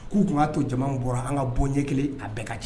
K'u tun b'a to jamana bɔra an ka bɔ ɲɛ kelen a bɛɛ ka cɛ